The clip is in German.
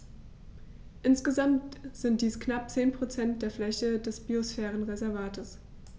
Insgesamt sind dies knapp 10 % der Fläche des Biosphärenreservates.